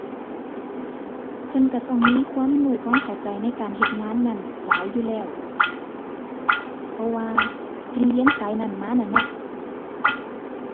เพิ่นก็ต้องมีความรู้ความเข้าใจในการเฮ็ดงานนั้นหลายอยู่แล้ว เพราะว่าเพิ่นเรียนสายนั้นมาน่ะเนาะ